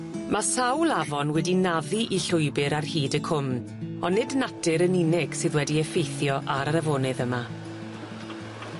Ma' sawl afon wedi naddu i llwybyr ar hyd y cwm on' nid natur yn unig sydd wedi effeithio ar yr afonydd yma.